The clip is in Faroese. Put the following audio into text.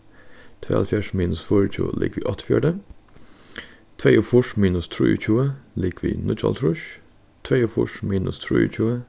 tveyoghálvfjerðs minus fýraogtjúgu ligvið áttaogfjøruti tveyogfýrs minus trýogtjúgu ligvið níggjuoghálvtrýss tveyogfýrs minus trýogtjúgu